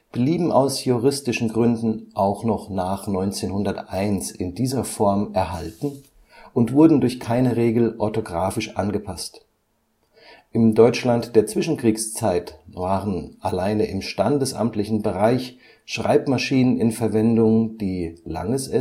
blieben aus juristischen Gründen auch nach 1901 in dieser Form erhalten und wurden durch keine Regel orthografisch angepasst. Im Deutschland der Zwischenkriegszeit waren alleine im standesamtlichen Bereich Schreibmaschinen in Verwendung, die ſs als